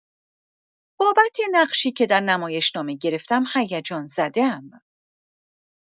بابت نقشی که در نمایشنامه گرفتم هیجان‌زده‌ام.